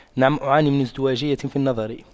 نعم أعاني من ازدواجية في النظر